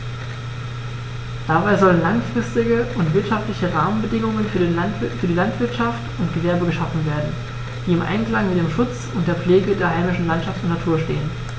Dabei sollen langfristige und wirtschaftliche Rahmenbedingungen für Landwirtschaft und Gewerbe geschaffen werden, die im Einklang mit dem Schutz und der Pflege der heimischen Landschaft und Natur stehen.